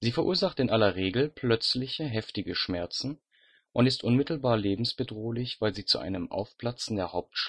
verursacht in aller Regel plötzliche, heftige Schmerzen und ist unmittelbar lebensbedrohlich, weil sie zu einem Aufplatzen der Hauptschlagader